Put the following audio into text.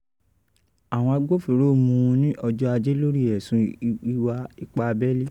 Àwọn agbófinró mú u ni ọjọ́ Ajé lórí ẹ̀sùn ìwà ipá abélé